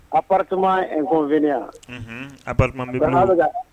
A patɛma nf a